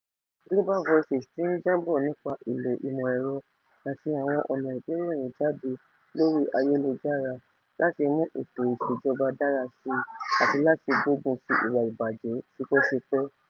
Global Voices ti ń jábọ̀ nípa ìlò ìmọ̀-ẹ̀rọ àti àwọn ọ̀nà ìgbéròyìnjáde lórí ayélujára láti mú ètò ìṣèjọba dára síi àti láti gbógun ti ìwà ìbàjẹ́ tipẹ́tipẹ́.